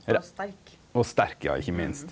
og sterk ja.